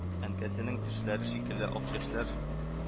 Әнкәсенең тешләре шикелле ак чәчләр